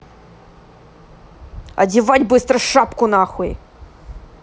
одевать быстро шапку нахуй